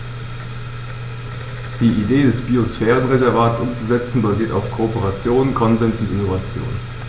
Die Idee des Biosphärenreservates umzusetzen, basiert auf Kooperation, Konsens und Innovation.